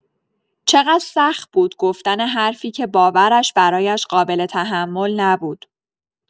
چقدر سخت بود گفتن حرفی که باورش برایش قابل‌تحمل نبود.